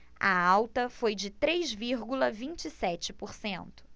a alta foi de três vírgula vinte e sete por cento